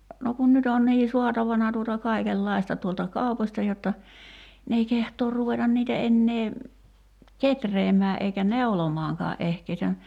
no kun nyt on niin saatavana tuota kaikenlaista tuolta kaupoista jotta ne ei kehtaa ruveta niitä enää kehräämään eikä neulomaankaan ehkä ei sitä niin